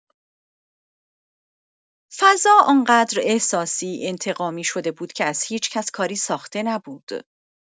فضا آنقدر احساسی، انتقامی شده بود که از هیچکس کاری ساخته نبود.